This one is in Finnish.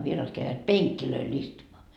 vieraat kävivät penkeille istumaan